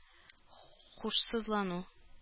Һушсызлану